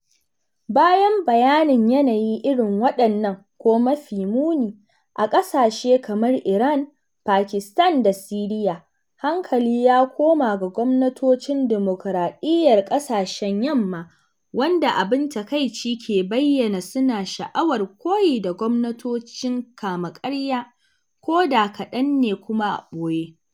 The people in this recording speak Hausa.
Bayan bayanin yanayi irin waɗannan (ko mafiya muni) a ƙasashe kamar Iran, Pakistan da Siriya, hankali ya koma ga gwamnatocin dimokuraɗiyyar ƙasashen Yamma waɗanda abin takaici ke bayyana suna sha’awar koyi da gwamnatocin kama karya, koda kaɗan ne kuma a ɓoye.